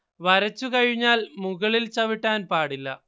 വരച്ചു കഴിഞ്ഞാൽ മുകളിൽ ചവിട്ടാൻ പാടില്ല